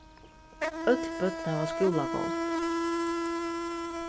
øll børn hava skúlagongd